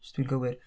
os dwi'n gywir.